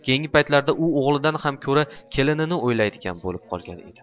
keyingi paytlarda u o'g'lidan ham ko'ra ko'proq kelinini o'ylaydigan bo'lib qolgan edi